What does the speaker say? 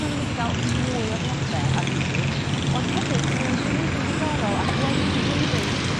ma' nw'n mynd i ga'l mwy o flode arnyn n'w ond hefyd mae o'n gneud o'n ddiddorol am gweddill y flwyddyn.